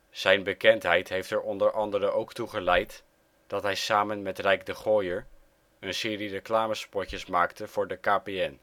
Zijn bekendheid heeft er onder andere ook toe geleid dat hij samen met Rijk de Gooyer een serie reclamespotjes maakte voor KPN. In 2006